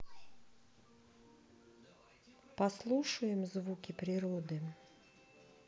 послушаем звуки природы